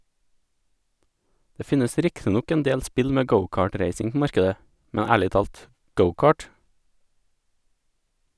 Det finnes riktig nok endel spill med go-cart-racing på markedet, men ærlig talt - go-cart?